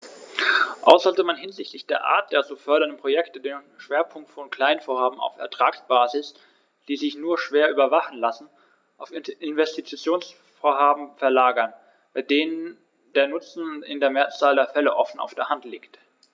Auch sollte man hinsichtlich der Art der zu fördernden Projekte den Schwerpunkt von Kleinvorhaben auf Ertragsbasis, die sich nur schwer überwachen lassen, auf Investitionsvorhaben verlagern, bei denen der Nutzen in der Mehrzahl der Fälle offen auf der Hand liegt.